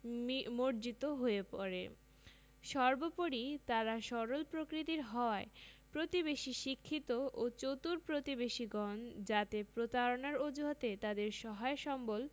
নিমজিত হয়ে পড়ে সর্বপরি তারা সরল প্রকৃতির হওয়ায় প্রতিবেশী শিক্ষিত ও চতুর প্রতিবেশীগণ যাতে প্রতারণার অজুহাতে তাদের সহায় সম্ভল